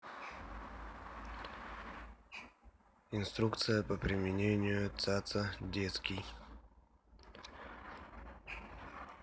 инструкция по применению цаца детский